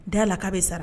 Da la k'a bɛ sara